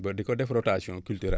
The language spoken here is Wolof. nga di ko def rotation culturale